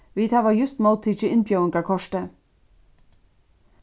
vit hava júst móttikið innbjóðingarkortið